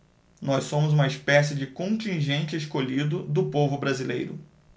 nós somos uma espécie de contingente escolhido do povo brasileiro